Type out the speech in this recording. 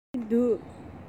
སྦྱོང གི འདུག